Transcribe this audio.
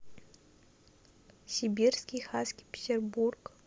сибирский хаски петербург